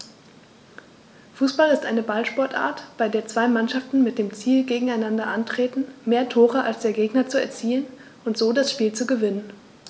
Fußball ist eine Ballsportart, bei der zwei Mannschaften mit dem Ziel gegeneinander antreten, mehr Tore als der Gegner zu erzielen und so das Spiel zu gewinnen.